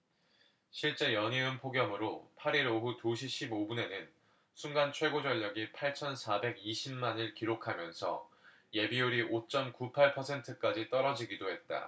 실제 연이은 폭염으로 팔 일 오후 두 시 십 오 분에는 순간 최고전력이 팔천 사백 이십 만 를 기록하면서 예비율이 오 쩜 구 팔 퍼센트까지 떨어지기도 했다